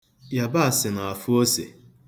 Yabaasị na-afụ ose.